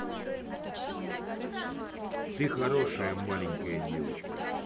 ты хорошая маленькая девочка